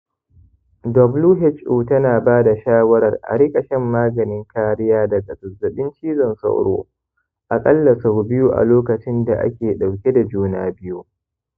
who tana ba da shawarar a rika shan maganin kariya daga zazzaɓin cizon sauro aƙalla sau biyu a lokacin da ake dauke da juna biyu.